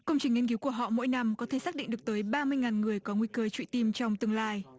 công trình nghiên cứu của họ mỗi năm có thể xác định được tới ba mươi ngàn người có nguy cơ trụy tim trong tương lai